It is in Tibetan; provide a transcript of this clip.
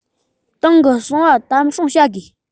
ཏང གི གསང བ དམ སྲུང བྱ དགོས